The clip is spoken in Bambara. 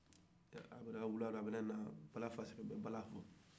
a mana bɔ wula la ka na bala faseke bɛ bala fɔ